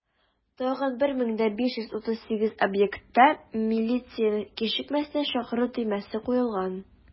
Тагын 1538 объектта милицияне кичекмәстән чакырту төймәсе куелган.